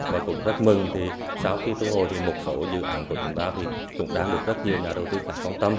và cũng rất mừng thì sau khi thu hồi thì một số dự án của chúng ta thì cũng đang được rất nhiều nhà đầu tư khác quan tâm